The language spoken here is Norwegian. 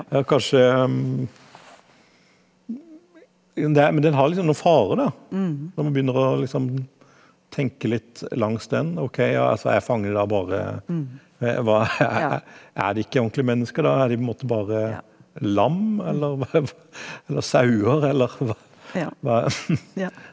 kanskje jo det er men den har liksom noe farer da når man begynner å liksom tenke litt langs den, ok ja altså er fangene da bare hva er er det ikke ordentlig mennesker da er de på en måte bare lam eller eller sauer eller hva hva ?